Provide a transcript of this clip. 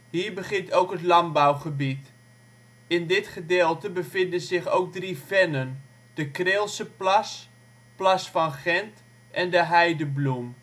Hier begint ook het landbouwgebied. In dit gedeelte bevinden zich ook drie vennen: de Kreelse Plas, Plas van Gent en de Heidebloem